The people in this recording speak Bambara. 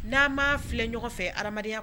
N'an m'a filɛ ɲɔgɔn fɛ adamadenya